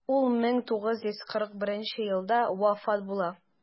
Ул 1941 елда вафат була.